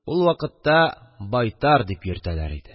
Ул вакытта байтар дип йөртәләр иде.